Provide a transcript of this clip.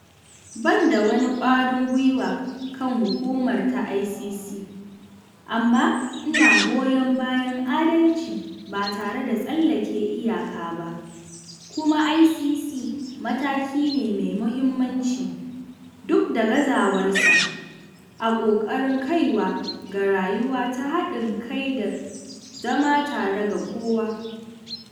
Ban da wani ƙwarin gwiwa kan hukumar ta ICC, amma ina goyon bayan adalci ba tare da tsallake iyaka ba, kuma ICC mataki ne mai muhimmanci (duk da gazawar sa) a ƙoƙarin kaiwa ga rayuwa ta haɗin kai da zama tare ga kowa.